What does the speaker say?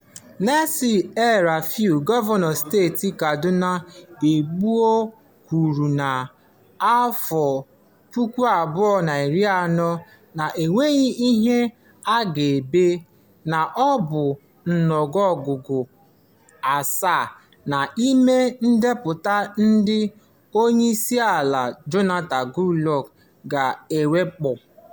Ọmụmaatụ, Nassir El-Rufai, gọvanọ steeti Kadụna ugbu a kwuru na 2014 — na-enweghị ihe akaebe — na ọ bụ “ọnụọgụgụ 7 n'ime ndepụta ndị [Onyeisiala Jonathan Goodluck] ga-awakpo”.